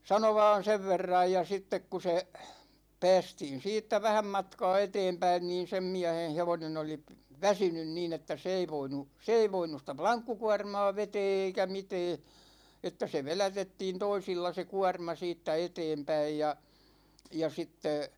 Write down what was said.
sanoi vain sen verran ja sitten kun se päästiin siitä vähän matkaa eteenpäin niin sen miehen hevonen oli väsynyt niin että se ei voinut se ei voinut sitä lankkukuormaa vetää eikä mitään että se vedätettiin toisilla se kuorma siitä eteenpäin ja ja sitten